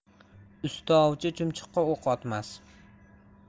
usta ovchi chumchuqqa o'q otmas